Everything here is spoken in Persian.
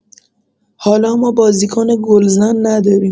حالا ما بازیکن گلزن نداریم.